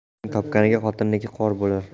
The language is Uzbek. erning topganiga xotinniki qo'r bo'lar